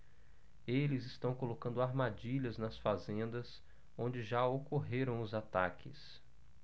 eles estão colocando armadilhas nas fazendas onde já ocorreram os ataques